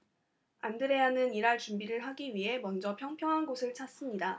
안드레아는 일할 준비를 하기 위해 먼저 평평한 곳을 찾습니다